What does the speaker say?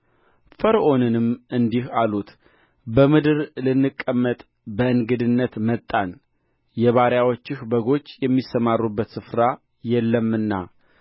ፈርዖንንም እንዲህ አሉት በምድር ልንቀመጥ በእንግድነት መጣን የባርያዎችህ በጎች የሚሰማሩበት ስፍራ የለምና